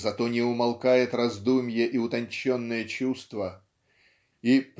зато не умолкает раздумье и утонченное чувство и